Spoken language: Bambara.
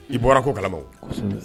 I bɔra ko kalamaw kɔsɛbɛ